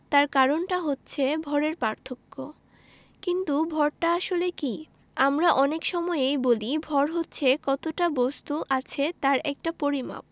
তার কারণটা হচ্ছে ভরের পার্থক্য কিন্তু ভরটা আসলে কী আমরা অনেক সময়েই বলি ভর হচ্ছে কতটা বস্তু আছে তার একটা পরিমাপ